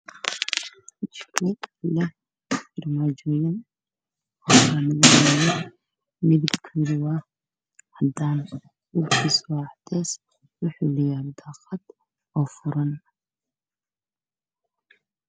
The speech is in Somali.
Waa armaajoyin midab koodu waa cadeys